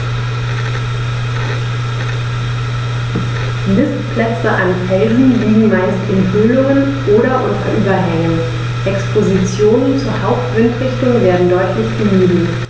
Nistplätze an Felsen liegen meist in Höhlungen oder unter Überhängen, Expositionen zur Hauptwindrichtung werden deutlich gemieden.